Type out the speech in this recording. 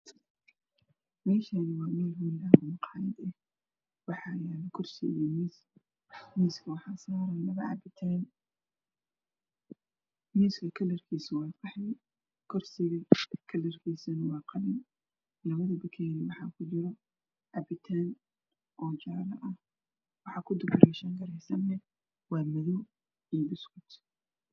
Meeshaani waa meel hool ah maqaayad ah waxaa yaalo kursi iyo miis miiska waxaa saaran labo cabitaan miiska kalarkiisa waa qaxwi kursiga kalarkiisana waa qalin labada bakeeeri waxaa ku jiro cabitaan jaale ah waxaa ku dul shangaraysana waa madow iyo buskut